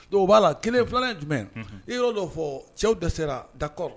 Dɔw b'a la kelen filanan jumɛn i y'o dɔ fɔ cɛw de sera dakɔrɔ